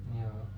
joo